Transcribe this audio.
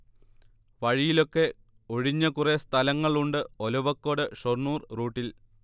വഴിയിലൊക്കെ ഒഴിഞ്ഞ കുറേ സ്ഥലങ്ങൾ ഉണ്ട്, ഒലവക്കോട്-ഷൊർണൂർ റൂട്ടിൽ